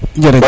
jerejef